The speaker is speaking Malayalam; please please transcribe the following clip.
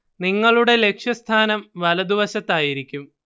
നിങ്ങളുടെ ലക്ഷ്യസ്ഥാനം വലതുവശത്തായിരിക്കും